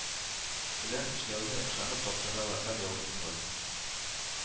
Белән эшләүне ышанып тапшыралар һәм ялгышмыйлар